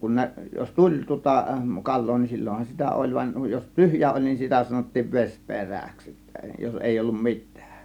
kun - jos tuli tuota kalaa niin silloinhan sitä oli vaan jos tyhjä oli niin sitä sanottiin - vesiperäksi sitten jos ei ollut mitään